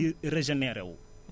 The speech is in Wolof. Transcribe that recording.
di regenérer wu